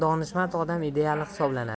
donishmand odam ideali hisoblanadi